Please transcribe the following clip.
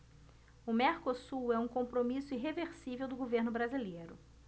o mercosul é um compromisso irreversível do governo brasileiro